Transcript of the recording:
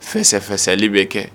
Fɛsɛfɛsɛli bɛ kɛ